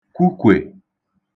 kwukwè